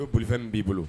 Oolifɛnin b'i bolo